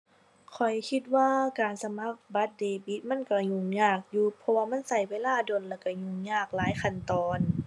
ข้อยคิดว่าการสมัครบัตรเดบิตมันก็ยุ่งยากอยู่ เพราะว่ามันก็เวลาโดน แล้วก็ยุ่งยาก หลายขั้นตอน